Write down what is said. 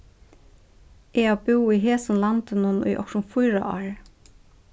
eg havi búð í hesum landinum í okkurt um fýra ár